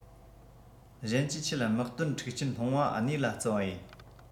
གཞན གྱིས ཁྱེད དམག དོན འཁྲུག རྐྱེན སློང བ གནས ལ བརྩི བ ཡིན